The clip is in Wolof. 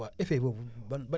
waaw effet boobu ban ban